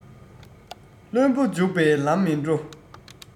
བློན པོ འཇུག པའི ལམ མི འགྲོ